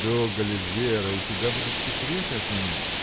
— Долго ли, Вера, у тебя будут секреты от меня?